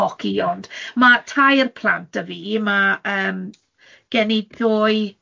hoci, ond ma' tair plant 'da fi, ma' yym gen i ddou-